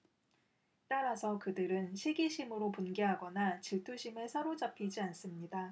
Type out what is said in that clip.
따라서 그들은 시기심으로 분개하거나 질투심에 사로잡히지 않습니다